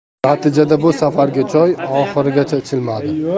natijada bu safargi choy oxirigacha ichilmadi